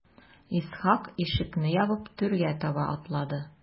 Исхак ишекне ябып түргә таба атлады.